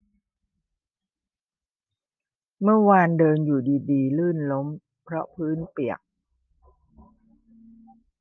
เมื่อวานเดินอยู่ดีดีลื่นล้มเพราะพื้นเปียก